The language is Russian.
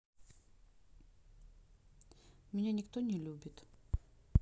меня никто не любит